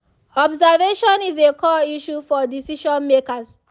Observation is a core issue for decision makers.